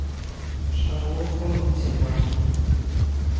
шарлотка в мультиварке